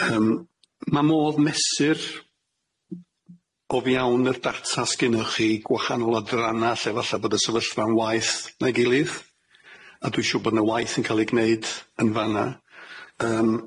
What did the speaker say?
Yym ma' modd mesur o fiewn y data sgennych chi gwahanol adrana lle falla bod y sefyllfa'n waeth na'i gilydd a dwi siŵr bod 'na waith yn ca'l ei gneud yn fan 'na yym.